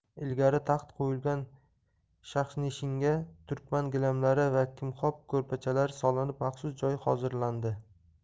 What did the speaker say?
ilgari taxt qo'yilgan shahnishinga turkman gilamlari va kimxob ko'rpachalar solinib maxsus joy hozirlandi